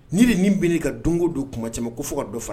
N'i de nin bɛ ka don don kuma cɛ ma ko fo fɔ ka dɔ fana